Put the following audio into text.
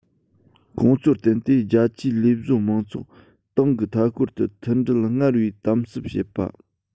ཁོང ཚོར བརྟེན ཏེ རྒྱ ཆེའི ལས བཟོ མང ཚོགས ཏང གི མཐའ འཁོར དུ མཐུན སྒྲིལ སྔར བས དམ ཟབ བྱེད པ